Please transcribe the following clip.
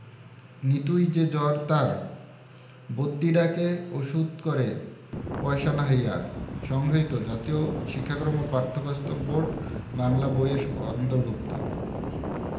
নিতুই যে জ্বর তার বদ্যি ডাকে ওষুধ করে পয়সা নাহি আর সংগৃহীত জাতীয় শিক্ষাক্রম ও পাঠ্যপুস্তক বোর্ড বাংলা বই এর অন্তর্ভুক্ত